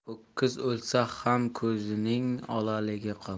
ho'kiz o'lsa ham ko'zining olaligi qolmas